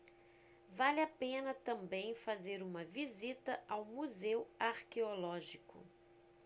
vale a pena também fazer uma visita ao museu arqueológico